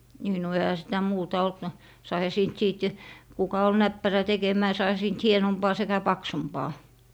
niin no eihän sitä muuta ollut no saihan siitä sitten kuka oli näppärä tekemään saihan siitä hienompaa sekä paksumpaa